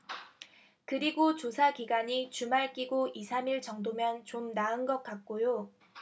그리고 조사 기간이 주말 끼고 이 삼 일 정도면 좀 나은 것 같고요